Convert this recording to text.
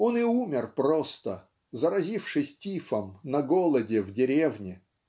Он и умер просто, заразившись тифом на голоде в деревне.